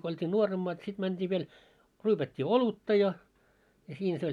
kun oltiin nuoremmat sitten mentiin vielä ryypättiin olutta ja ja siinä se oli